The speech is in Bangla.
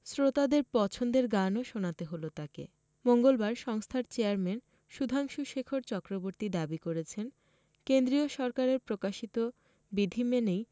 শ্রোতাদের পছন্দের গানও শোনাতে হল তাঁকে মঙ্গলবার সংস্থার চেয়ারম্যান সুধাংশুশেখর চক্রবর্তী দাবি করেছেন কেন্দ্রীয় সরকারের প্রকাশিত বিধি মেনেই